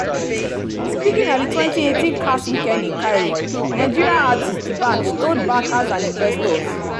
Speaking at the 2018 CAX Weekend in Cairo, Nigerian artist D'Banj told bankers and investors: